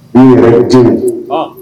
Min yɛrɛ tɛ yen, ɔnhɔn.